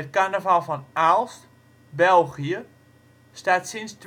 carnaval van Aalst, België staat sinds